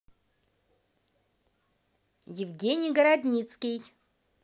евгений городницкий